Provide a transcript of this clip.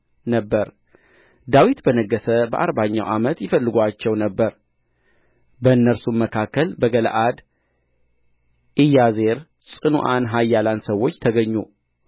ነበረ ዳዊት በነገሠ በአርባኛው ዓመት ይፈልጉአቸው ነበር በእነርሱም መካከል በገለዓድ ኢያዜር ጽኑዓን ኃያላን ሰዎች ተገኙ